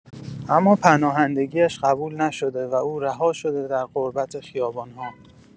اما پناهندگی‌اش قبول نشده و او رها شده در غربت خیابان‌ها.